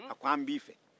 a ko an b'i fɛ